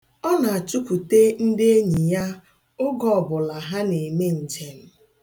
Ọ na-achụkwute ndị enyi ya oge ọbụla ha na-eme njem.